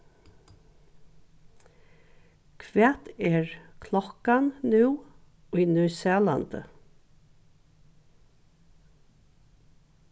hvat er klokkan nú í nýsælandi